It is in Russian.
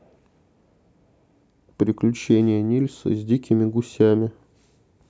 приключения нильса с дикими гусями